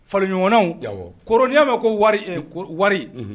Faɲɔgɔngnaw k y'a bɛ ko wari wari